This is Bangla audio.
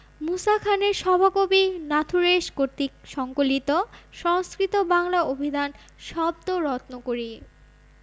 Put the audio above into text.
মুসা খানের সভাকবি নাথুরেশ কর্তৃক সংকলিত সংস্কৃত বাংলা অভিধান শব্দ রত্নকরী